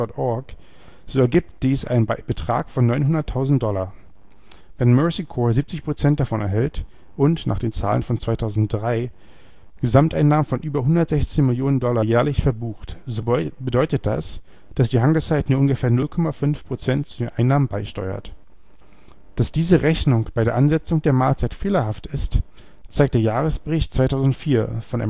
worldlegacy.org), so ergibt dies einen Betrag von 900.000 Dollar. Wenn Mercy Corps 70 Prozent davon erhält und – nach den Zahlen von 2003 – Gesamteinnahmen von über 116 Mio. Dollar jährlich verbucht, so bedeutet das, dass die Hungersite nur ungefähr 0,5 Prozent zu den Einnahmen beisteuert. Dass diese Rechnung bei der Ansetzung der Mahlzeit fehlerhaft ist, zeigt der Jahresbericht 2004 von